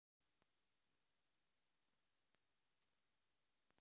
кто такой лужков